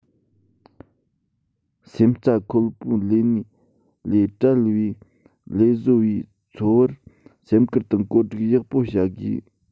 སེམས རྩ འཁོལ པོས ལས གནས ལས བྲལ བའི ལས བཟོ པའི འཚོ བར སེམས ཁུར དང བཀོད སྒྲིག ཡག པོ བྱ དགོས